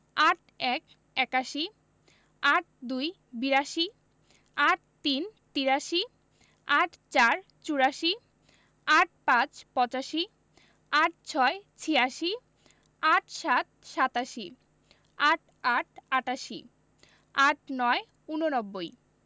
৮১ – একাশি ৮২ – বিরাশি ৮৩ – তিরাশি ৮৪ – চুরাশি ৮৫ – পঁচাশি ৮৬ – ছিয়াশি ৮৭ – সাতাশি ৮৮ – আটাশি ৮৯ – ঊননব্বই